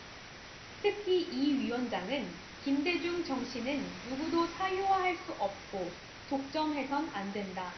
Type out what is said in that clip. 특히 이 위원장은 김대중 정신은 누구도 사유화 할 수 없고 독점해선 안 된다